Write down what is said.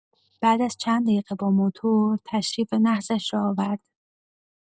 بعد از چند دقیقه با موتور تشریف نحسش را آورد.